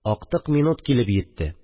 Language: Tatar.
Актык минут килеп йитте